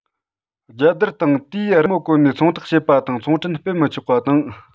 རྒྱལ དར དང དེའི རི མོ བཀོལ ནས ཚོང རྟགས བྱེད པ དང ཚོང འཕྲིན སྤེལ མི ཆོག པ དང